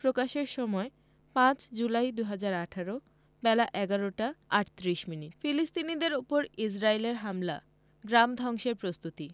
প্রকাশের সময় ৫ জুলাই ২০১৮ বেলা ১১টা ৩৮ মিনিট ফিলিস্তিনিদের ওপর ইসরাইলের হামলা গ্রাম ধ্বংসের প্রস্তুতি